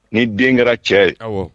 Ni den kɛra cɛ ye aw